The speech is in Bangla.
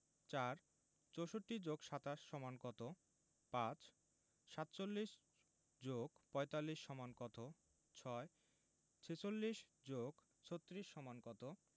৪ ৬৪ + ২৭ = কত ৫ ৪৭ + ৪৫ = কত ৬ ৪৬ + ৩৬ = কত